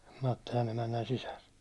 Mattilan emännän sisar